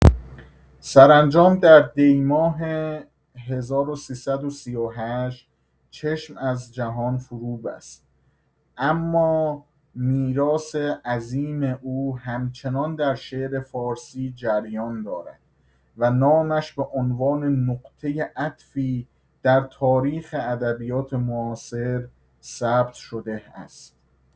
سرانجام در دی‌ماه ۱۳۳۸ چشم از جهان فرو بست، اما میراث عظیم او همچنان در شعر فارسی جریان دارد و نامش به عنوان نقطه عطفی در تاریخ ادبیات معاصر ثبت شده است.